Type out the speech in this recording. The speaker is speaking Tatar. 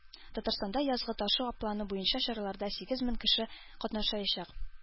Татарстанда "Язгы ташу" планы буенча чараларда сигез мең кеше катнашачак